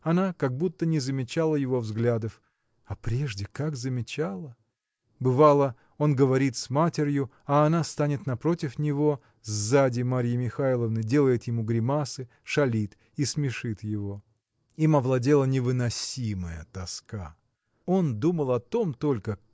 она как будто не замечала его взглядов, а прежде как замечала! бывало он говорит с матерью а она станет напротив него сзади Марьи Михайловны делает ему гримасы шалит и смешит его. Им овладела невыносимая тоска. Он думал о том только